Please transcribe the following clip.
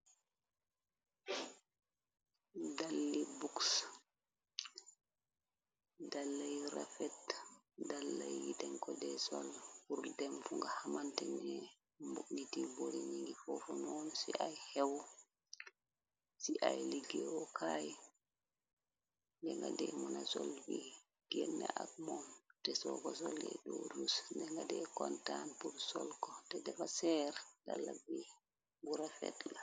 Dali buks dalay rafet dala yitenko de sol bur dem fu nga hamantene mogniti bori ningi kofonon xew ci ay liggeeo kay denga de mona sol wi genne ak mon te soko sole do rus denga de kontan bur sol ko te defa seer dalabi bu rafet la.